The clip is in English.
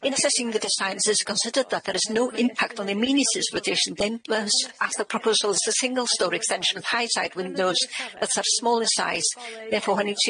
In assessing the designs, it is considered that there is no impact on the amenities of neighbours, as the proposal is a single storey extension of high-side windows that are small in size, therefore when you-